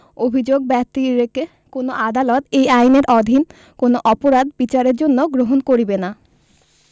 অভিযোগ ব্যতিরেকে কোন আদালত এই আইনের অধীন কোন অপরাধ বিচারের জন্য গ্রহণ করিবে না